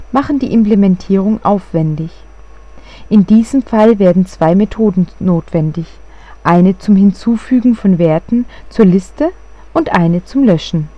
machen die Implementierung aufwändig. In diesem Fall werden zwei Methoden notwendig: eine zum Hinzufügen von Werten zur Liste und eine zum Löschen